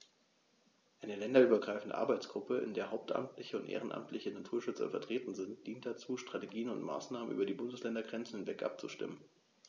Eine länderübergreifende Arbeitsgruppe, in der hauptamtliche und ehrenamtliche Naturschützer vertreten sind, dient dazu, Strategien und Maßnahmen über die Bundesländergrenzen hinweg abzustimmen.